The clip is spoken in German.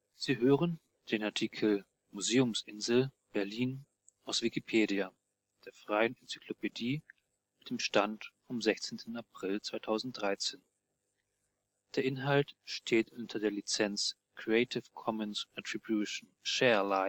Sie hören den Artikel Museumsinsel (Berlin), aus Wikipedia, der freien Enzyklopädie. Mit dem Stand vom Der Inhalt steht unter der Lizenz Creative Commons Attribution Share